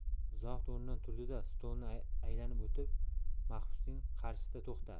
zohid o'rnidan turdi da stolni aylanib o'tib mahbusning qarshisida to'xtadi